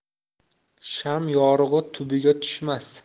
sham yorug'i tubiga tushmas